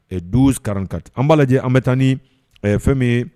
Don kaka an'a lajɛ an bɛ taa ni a ye fɛn min ye